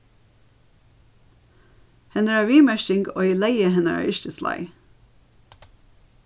hennara viðmerking oyðilegði hennara yrkisleið